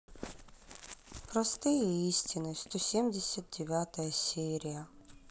простые истины сто семьдесят девятая серия